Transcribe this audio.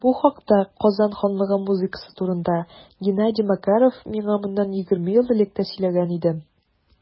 Бу хакта - Казан ханлыгы музыкасы турында - Геннадий Макаров миңа моннан 20 ел элек тә сөйләгән иде.